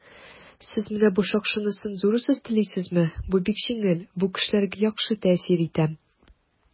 "сез менә бу шакшыны цензурасыз телисезме?" - бу бик җиңел, бу кешеләргә яхшы тәэсир итә.